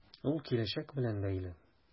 Ул киләчәк белән бәйле.